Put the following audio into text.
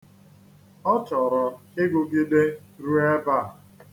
Ọ chọrọ ịgụgide rue ebe a.